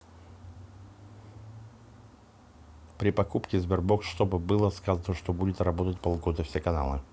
при покупке sberbox чтобы было сказано что будет работать полгода все каналы